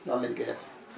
noonu la ñu koy defee